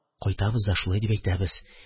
Кайтабыз да шулай дип әйтәбез.